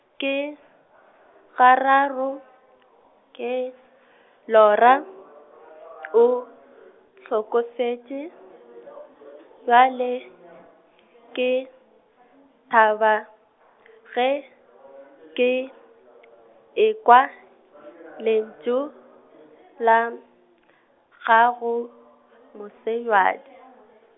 ke , gararo, ke, lora, o, hlokofetše, bjale, ke, thaba, ge, ke, ekwa, lentšu, la , gago, Mosebjadi.